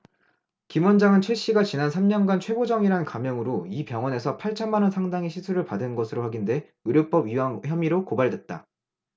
김 원장은 최씨가 지난 삼 년간 최보정이란 가명으로 이 병원에서 팔천 만원 상당의 시술을 받은 것으로 확인돼 의료법 위반 혐의로 고발됐다